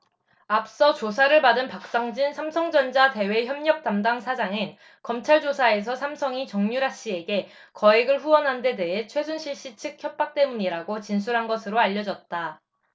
앞서 조사를 받은 박상진 삼성전자 대외협력담당 사장은 검찰조사에서 삼성이 정유라씨에게 거액을 후원한 데 대해 최순실씨 측 협박 때문이라고 진술한 것으로 알려졌다